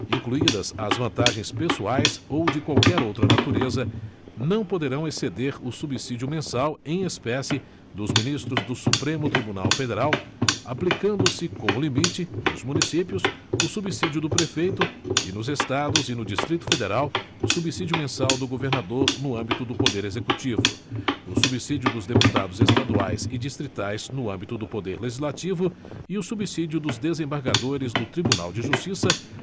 incluídas as vantagens pessoais ou de qualquer outra natureza não poderão exceder o subsídio mensal em espécie dos ministros do supremo tribunal federal aplicando se como limite nos municípios o subsídio do prefeito e nos estados e no distrito federal o subsídio mensal do governador no âmbito do poder executivo o subsídio dos deputados estaduais e distritais no âmbito do poder legislativo e o subsídio dos desembargadores do tribunal de justiça